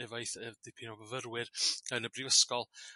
efo dipyn o fyfyrwyr yn y Brifysgol